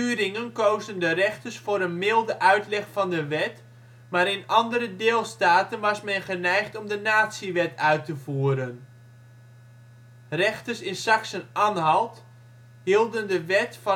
Thüringen kozen de rechters voor een milde uitleg van de wet, maar in andere deelstaten was men geneigd om de Naziwet uit te voeren. Rechters in Sachsen-Anhalt hielden de wet